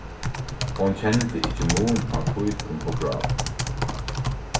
hon kendi ikki mun á hvítum og gráum